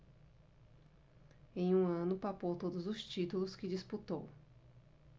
em um ano papou todos os títulos que disputou